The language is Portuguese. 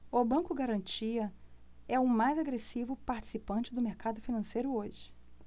o banco garantia é o mais agressivo participante do mercado financeiro hoje